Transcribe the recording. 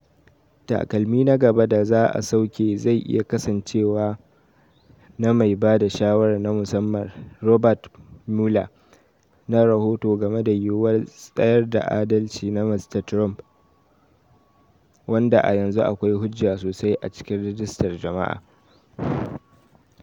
Takalmi na gaba da za a sauke zai iya kasancewa na mai bada shawara na musamman Robert Mueller ne rahoto game da yiwuwar tsayar da adalci na Mr. Trump, wanda a yanzu akwai hujja sosai a cikin rajistar jama'a.